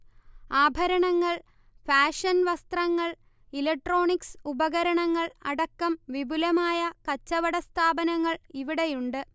ആഭരണങ്ങൾ, ഫാഷൻ വസ്ത്രങ്ങൾ, ഇലക്ട്രോണിക്സ് ഉപകരണങ്ങൾ, അടക്കം വിപുലമായ കച്ചവട സ്ഥാപനങ്ങൾ ഇവിടെയുണ്ട്